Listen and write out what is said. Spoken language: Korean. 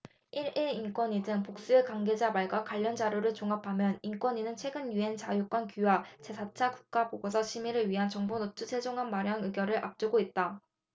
일 일 인권위 등 복수의 관계자 말과 관련 자료를 종합하면 인권위는 최근 유엔 자유권규약 제 사 차 국가보고서 심의를 위한 정보노트 최종안을 마련 의결을 앞두고 있다